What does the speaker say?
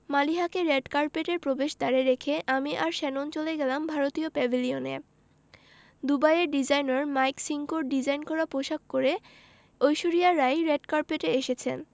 মালিহাকে রেড কার্পেটের প্রবেশদ্বারে রেখে আমি আর শ্যানন চলে গেলাম ভারতীয় প্যাভিলিয়নে দুবাইয়ের ডিজাইনার মাইক সিঙ্কোর ডিজাইন করা পোশাক করে ঐশ্বরিয়া রাই রেড কার্পেটে এসেছেন